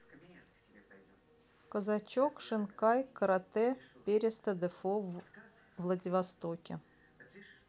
казачек shinkai каратэ переста дефо в владивостоке